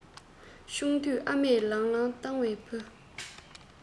ཆུང དུས ཨ མས ལང ལ བཏང བའི བུ